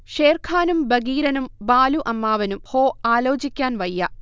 ഷേർഖാനും ബഗീരനും ബാലു അമ്മാവനും ഹോ ആലോചിക്കാൻ വയ്യ